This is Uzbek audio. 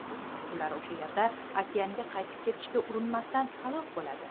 ular o'sha yerda okeanga qaytib ketishga urinmasdan halok bo'ladi